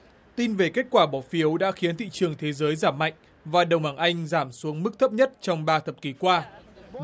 tin về kết quả bỏ phiếu đã khiến thị trường thế giới giảm mạnh và đồng bảng anh giảm xuống mức thấp nhất trong ba thập kỷ qua nhưng